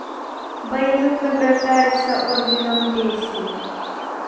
боевым награждается орденом песня